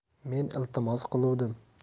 men iltimos qiluvdim